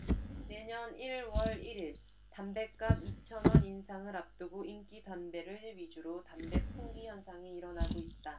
내년 일 월 일 일 담뱃값 이 천원 인상을 앞두고 인기 담배를 위주로 담배 품귀 현상이 일어나고 있다